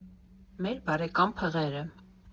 Մեր բարեկամ փղերը։